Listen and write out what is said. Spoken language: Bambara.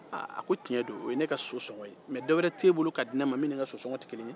aaa ko tiɲɛn do o ye ne ka so sɔgɔn mɛ dɔwɛrɛ t'e bolo ka di ne man min ni so sɔgɔn tɛ kelen ye